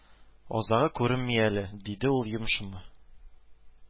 Азагы күренми әле, диде ул йомышымны